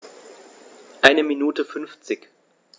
Eine Minute 50